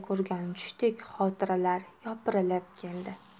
ko'rgan tushdek xotiralar yopirilib keldi